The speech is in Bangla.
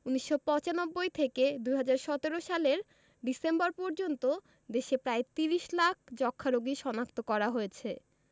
১৯৯৫ থেকে ২০১৭ সালের ডিসেম্বর পর্যন্ত দেশে প্রায় ৩০ লাখ যক্ষ্মা রোগী শনাক্ত করা হয়েছে